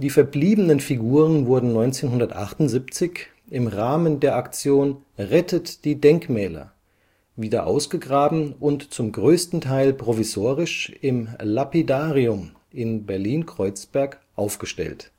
verbliebenen Figuren wurden 1978 im Rahmen der Aktion Rettet die Denkmäler wieder ausgegraben und zum größten Teil provisorisch im Lapidarium in Berlin-Kreuzberg aufgestellt